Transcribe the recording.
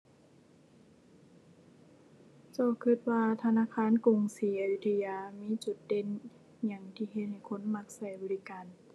เจ้าคิดว่าธนาคารกรุงศรีอยุธยามีจุดเด่นอิหยังที่เฮ็ดให้คนมักคิดบริการ